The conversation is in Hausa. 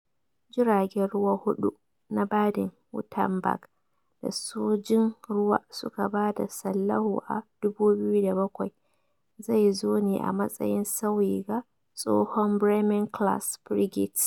Jiragen ruwa hudu na Baden-Wuerttemberg da Sojin ruwa suka bada sallahu a 2007 zai zo ne a matsayin sauyi ga tsohon Bremen-class frigates.